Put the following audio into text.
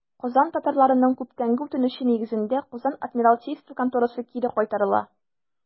Казан татарларының күптәнге үтенече нигезендә, Казан адмиралтейство конторасы кире кайтарыла.